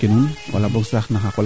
taxar kum taam we no qolo paax